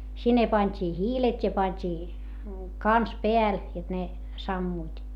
sinne pantiin hiilet ja pantiin kanssa päälle jotta ne sammuivat